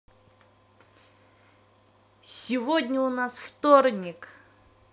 сегодня у нас вторник